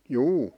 juu